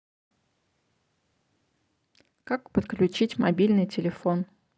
как подключить мобильный телефон